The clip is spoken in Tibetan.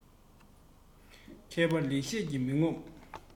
མཁས པ ལེགས བཤད ཀྱིས མི ངོམས